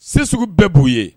Se sugu bɛɛ b'u ye